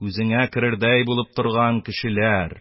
Күзеңә керердәй булып торган кешеләр...